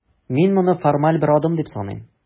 Мин моны формаль бер адым дип саныйм.